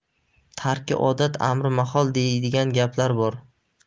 tarki odat amri mahol deydigan gaplar bor